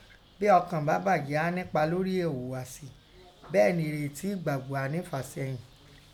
Bi ọkan ba baje, áá nínpa lori ẹ̀hùghàsí; bẹ́ẹ̀ nẹ èrèti ẹgbàgbọ́ áá ní ẹ̀faseyin.